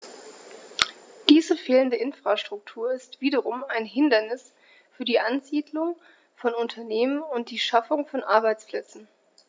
Diese fehlende Infrastruktur ist wiederum ein Hindernis für die Ansiedlung von Unternehmen und die Schaffung von Arbeitsplätzen.